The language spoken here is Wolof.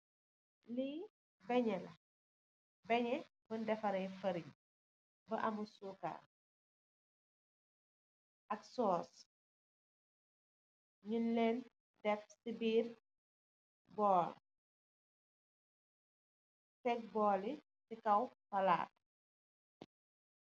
Beñeh, beñeh buñ deffareh fariñ bu amut sukarr ak saus ñgun len def ci biir bóól tek bóól yi ci kaw palaat.